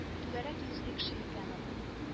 Түгәрәк йөзле кеше икән ул